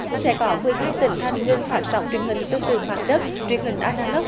sẽ có mười hai tỉnh thành ngừng phát sóng truyền hình tương tự mặt đất truyền hình a na lốc